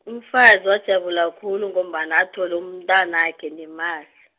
umfazi wajabula khulu ngombana athole umntwanakhe nemali.